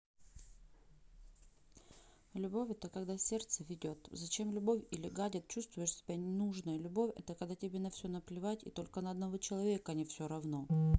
любовь это когда сердце ведет зачем любовь или гадят чувствуешь себя нужной любовь это когда тебе на все наплевать и только на одного человека не все равно